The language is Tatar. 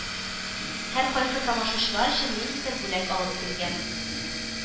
Һәркайсы тамашачылар өчен ниндидер бүләк алып килгән